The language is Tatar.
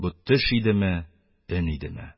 Бу - төш идеме, өн идеме?!